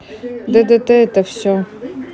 ддт это все